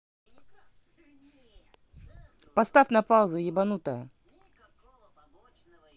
поставь на паузу ебанутая